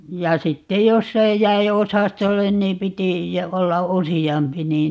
ja sitten jos ei jäi osastolle niin piti olla useampi niin